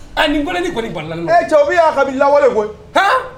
A ni kelenni kɔnni balila ne la. Ee, cɛ o bɛ yan kabini lawalekoyi. Han!